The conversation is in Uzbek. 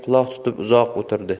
quloq tutib uzoq o'tirdi